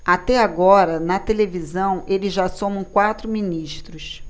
até agora na televisão eles já somam quatro ministros